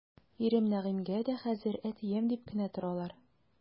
Ирем Нәгыймгә дә хәзер әтием дип кенә торалар.